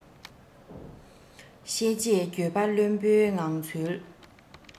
ཤེས རྗེས འགྱོད པ བླུན པོའི ངང ཚུལ